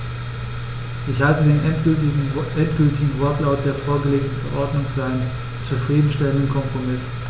Ich halte den endgültigen Wortlaut der vorgelegten Verordnung für einen zufrieden stellenden Kompromiss.